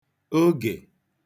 ogè